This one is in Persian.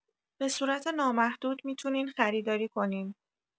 بصورت نامحدود می‌تونین خریداری کنین